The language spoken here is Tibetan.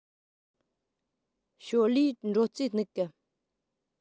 ཞའོ ལིའི འགྲོ རྩིས འདུག གམ